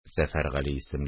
Сәфәргали исемле